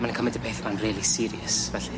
Ma'n cymyd y peth yma'n rili serious felly